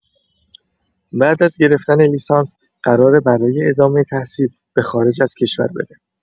بعد از گرفتن لیسانس، قراره برای ادامه تحصیل به خارج از کشور بره.